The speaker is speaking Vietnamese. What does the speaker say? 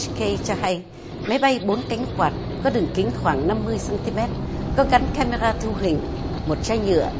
cây cho hay máy bay bốn cánh quạt có đường kính khoảng năm mươi xăng ti mét có gắn cam mê ra thu hình một chai nhựa